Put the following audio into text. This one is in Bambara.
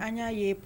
An y'a ye